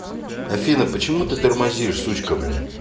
афина почему ты тормозишь сучка блядь